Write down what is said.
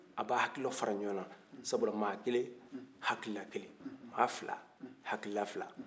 a ba hakilaw fara ɲɔgɔn kan sabula maa kelen hakilila kelen maa fila hakila fila